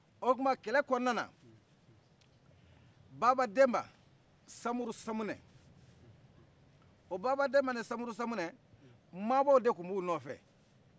o tuma kɛlɛ kɔnɔna la baba denba samuru samunɛ o baba denba samuru samunɛ mabɔ de tun b'u nɔfɛ